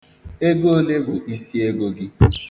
Ego ole bụ isiego gị.